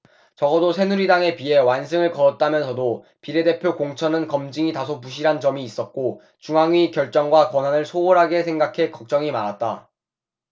적어도 새누리당에 비해 완승을 거뒀다면서도 비례대표 공천은 검증이 다소 부실한 점이 있었고 중앙위 결정과 권한을 소홀하게 생각해 걱정이 많았다